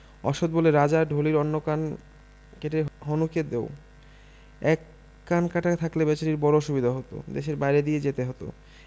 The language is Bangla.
অশ্বখ বললে রাজা ঢুলির অন্য কান কেটে হনুকে দেও এক কান কাটা থাকলে বেচারির বড়ো অসুবিধা হতদেশের বাইরে দিয়ে যেতে হত